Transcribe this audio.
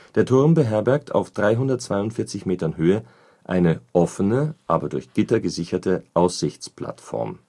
Der Turm beherbergt auf 342 Meter Höhe eine offene, aber durch Gitter gesicherte Aussichtsplattform